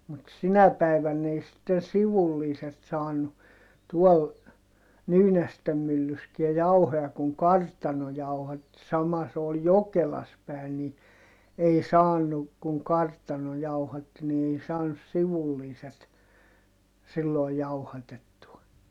mutta sinä päivänä ei sitten sivulliset saanut tuolla Nyynästen myllyssäkään jauhoja kun kartano jauhatti sama se oli Jokelassa päin niin ei saanut kun kartano jauhatti niin ei saanut sivulliset silloin jauhatettua